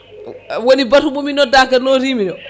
woni baatu momi noddaka notimi o